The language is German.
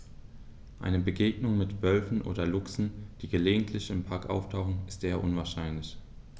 Eine Begegnung mit Wölfen oder Luchsen, die gelegentlich im Park auftauchen, ist eher unwahrscheinlich.